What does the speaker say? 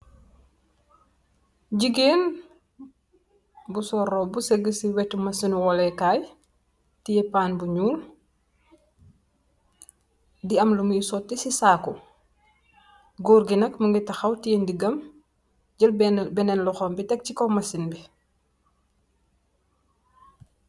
Gigeen bu sag ci wettu masini walleh kay teyeh pan bu ñuul di am lumooy sotti ci sako. Gór ngi nat mugii taxaw teyeh ndigam jél benen loxom tèg ci kaw masini bi.